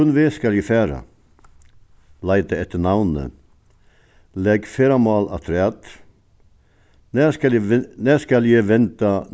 hvønn veg skal eg fara leita eftir navni legg ferðamál afturat nær skal eg nær skal eg venda